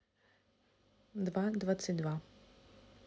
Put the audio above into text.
два двадцать два